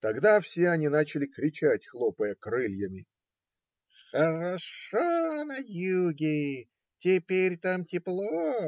Тогда все они начали кричать, хлопая крыльями: - Хорошо на юге! Теперь там тепло!